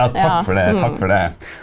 ja takk for det takk for det.